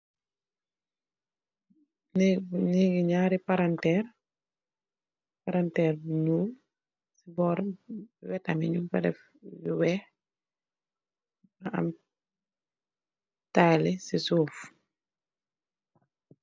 Nehgi ñaari palanterr , palanterr bu ñuul wet tam yi ñuñ fa def lu wèèx am tayil si suuf.